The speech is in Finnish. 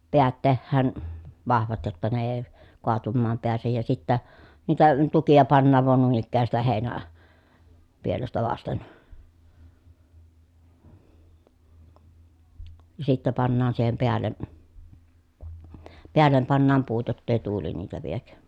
päät tehdään vahvat jotta ne ei kaatumaan pääse ja sitten niitä tukia pannaan vain noin ikään sitä - heinäpielestä vasten ja sitten pannaan siihen päälle päälle pannaan puut jotta ei tuuli niitä vie